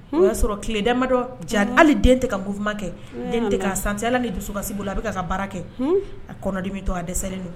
O y'a sɔrɔ tileledenmadɔ hali den tigɛ ka munkɛ ka sanla ni dusukasi bolo a bɛ ka baara kɛ a kɔnɔdimi to a dɛsɛ don